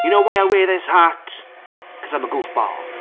"You know why I wear this hat? Because I'm a goofball."